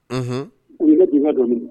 Unhun u bɛ dunan don